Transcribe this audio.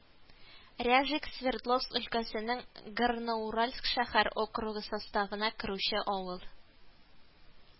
Ряжик Свердловск өлкәсенең Горноуральск шәһәр округы составына керүче авыл